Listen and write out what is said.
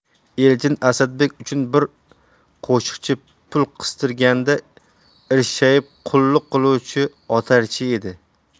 elchin asadbek uchun bir qo'shiqchi pul qistirganda irshayib qulluq qiluvchi otarchi edi